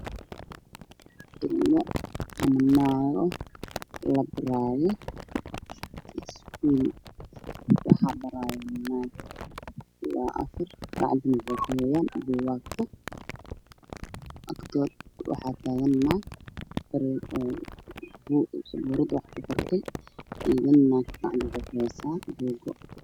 Ilmo la baryo iskuul ka waxay agtaagan naag nataz wax ku qortay sawirrada sabuurada